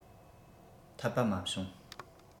འཐད པ མ བྱུང